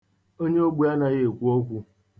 Onye ogbi anaghị ekwu okwu.